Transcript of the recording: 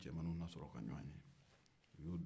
i ni cɛmanninw ne sɔrɔ ka jɔgɔn ye